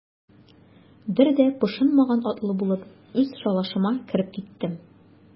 Бер дә пошынмаган атлы булып, үз шалашыма кереп киттем.